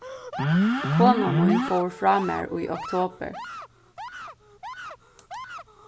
kona mín fór frá mær í oktobur